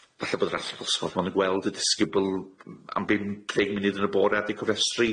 Falle bod yr athro dosbarth mond yn gweld y disgybl m- am bump i ddeg munud yn y bore adeg y cofrestru.